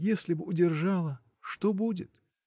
— Если б удержала — что будет?